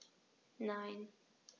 Nein.